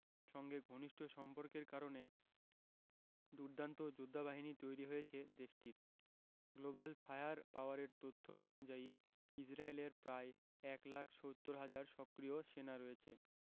সঙ্গে ঘনিষ্ঠ সম্পর্কের কারণে দুর্দান্ত যোদ্ধাবাহিনী তৈরি হয়েছে দেশটির গ্লোবাল ফায়ার পাওয়ারের তথ্য অনুযায়ী ইসরায়েলের প্রায় ১ লাখ ৭০ হাজার সক্রিয় সেনা রয়েছে